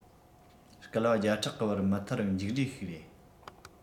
བསྐལ པ བརྒྱ ཕྲག གི བར མི ཐར བའི མཇུག འབྲས ཤིག རེད